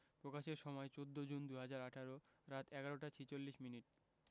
প্রকাশের সময় ১৪ জুন ২০১৮ রাত ১১টা ৪৬ মিনিট